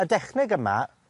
Y dechneg yma